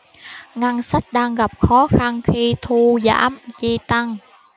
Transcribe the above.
ngân sách đang gặp khó khăn khi thu giảm chi tăng